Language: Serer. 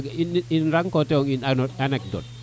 in rencontre ong une anecdode